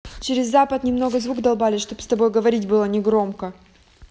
через запад немного звук долбали чтобы с тобой говорить было негромко